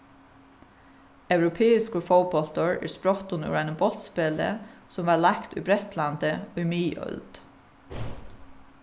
europeiskur fótbóltur er sprottin úr einum bóltspæli sum varð leikt í bretlandi í miðøld